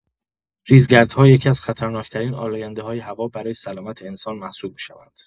ریزگردها یکی‌از خطرناک‌ترین آلاینده‌های هوا برای سلامت انسان محسوب می‌شوند.